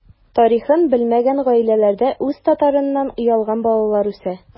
Тарихын белмәгән гаиләләрдә үз татарыннан оялган балалар үсә.